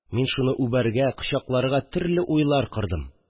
Мин шуны үбәргә, кочакларга төрле уйлар кордым